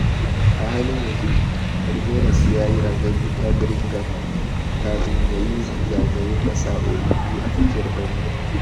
A halin yanzu, Remainers ya yi rangadi ta Birmingham kafin ya yi zagaye na sa'oi biyu a tsakiyar birnin